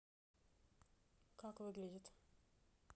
как выглядит